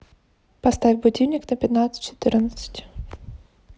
поставь будильник на пятнадцать четырнадцать